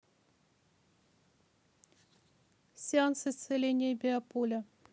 сеанс исцеления биополя